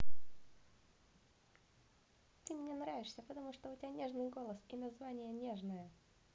ты мне нравишься потому что у тебя нежный голос и название нежное